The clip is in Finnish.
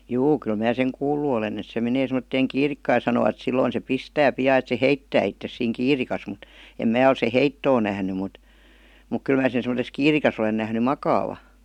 juu kyllä minä sen kuullut olen että se menee semmoiseen kiirikkaan ja sanovat silloin se pistää pian että se heittää itsensä siinä kiirikassa mutta en minä ole sen heittoa nähnyt mutta mutta kyllä minä sen semmoisessa kiirikassa olen nähnyt makaavan